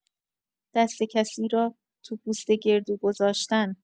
دست کسی را تو پوست گردو گذاشتن